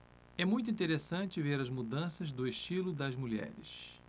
é muito interessante ver as mudanças do estilo das mulheres